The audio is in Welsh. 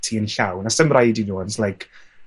ti'n llawn a 'sdim raid i nw onds like